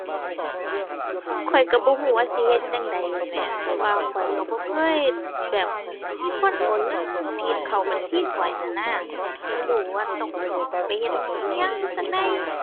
ข้อยก็บ่ก็ว่าสิเฮ็ดจั่งใดนั่นแหม เพราะว่าข้อยก็บ่เคยแบบมีคนโอนเงินผิดเข้าบัญชีข้อยนั่นนะ บ่รู้ว่าต้องไปเฮ็ดอิหยังจั่งใด